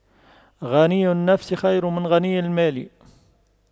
غنى النفس خير من غنى المال